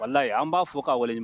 Wala an b'a fɔ k'a wale